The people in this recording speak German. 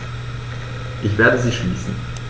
Ich werde sie schließen.